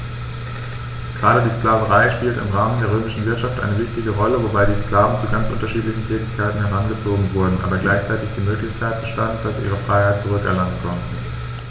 Gerade die Sklaverei spielte im Rahmen der römischen Wirtschaft eine wichtige Rolle, wobei die Sklaven zu ganz unterschiedlichen Tätigkeiten herangezogen wurden, aber gleichzeitig die Möglichkeit bestand, dass sie ihre Freiheit zurück erlangen konnten.